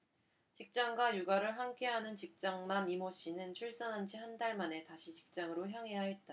직장과 육아를 함께하는 직장맘 이모씨는 출산한지 한 달 만에 다시 직장으로 향해야 했다